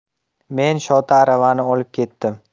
men shoti aravani olib ketdim